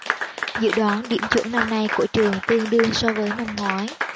dự đoán điểm chuẩn năm nay của trường tương đương so với năm ngoái